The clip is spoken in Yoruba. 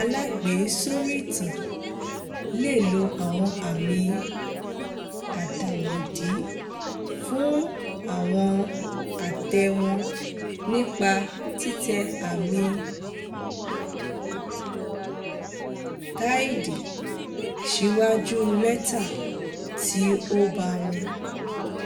alágbèésóríitan le lo àwọn àmì àdàmọ̀dì fún àwọn àtẹ̀ wọn nípa títẹ àmì táìdì (~) síwájú lẹ́tà tí ó baamu.